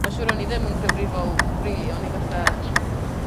ma'n siŵr o'n i ddim yn gyfrifol rili o'n i fatha